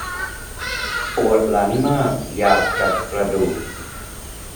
ปวดหลังมากอยากจัดกระดูก